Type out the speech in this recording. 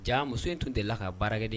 Jaa muso in tun delila ka baarakɛden